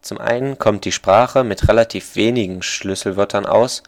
Zum einen kommt die Sprache mit relativ wenigen Schlüsselwörtern aus